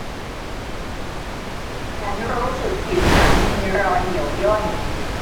ฉันรู้สึกผิวหนังมีรอยเหี่ยวย่น